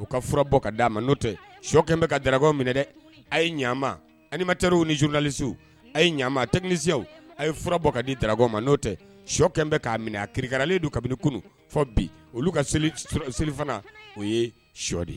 U ka fura bɔ ka d' a ma n'o tɛ shɔ kɛmɛ bɛ ka darabɔ minɛ dɛ a ye ɲaaama anima terirw ni zurunlalisiww a ye ɲama a tɛkinilisiw a ye fura bɔ ka ni darabɔɔn ma n'o tɛ shɔ kɛmɛ bɛ k'a minɛ a kirikaralen don kabini kunun fɔ bi olu ka selifana u ye shɔdi